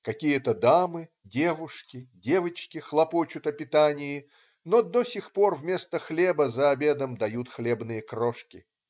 Какие-то дамы, девушки, девочки хлопочут о питании, но до сих пор вместо хлеба за обедом дают хлебные крошки.